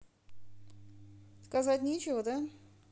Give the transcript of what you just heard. сказать нечего да